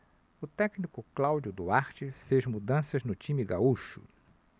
o técnico cláudio duarte fez mudanças no time gaúcho